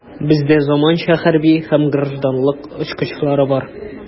Бездә заманча хәрби һәм гражданлык очкычлары бар.